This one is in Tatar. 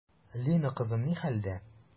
Лина кызым ни хәлдә?